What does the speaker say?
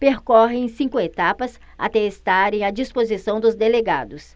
percorrem cinco etapas até estarem à disposição dos delegados